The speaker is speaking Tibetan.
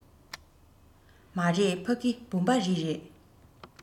མ རེད ཕ གི བུམ པ རི རེད